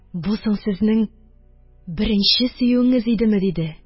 Бу соң сезнең беренче сөюеңез идеме? – диде